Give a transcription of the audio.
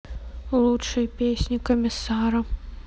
лучшие песни комиссара